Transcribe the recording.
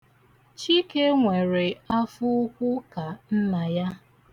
Chike nwere afọ ukwu ka nna ya.